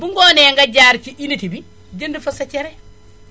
bu ngoonee nga jaar ci unité bi jënd fa sa cere